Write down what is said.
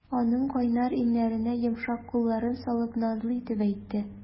Аның кайнар иңнәренә йомшак кулларын салып, назлы итеп әйтте.